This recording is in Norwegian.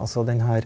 alså den her